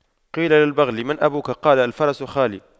قيل للبغل من أبوك قال الفرس خالي